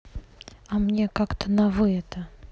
а мне как то на вы это